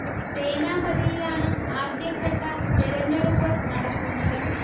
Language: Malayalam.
സേനാപതിയിലാണ് ആദ്യഘട്ട തെരഞ്ഞെടുപ്പ് നടക്കുന്നത്